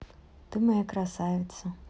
ты моя ты красавица